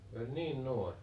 ai niin nuori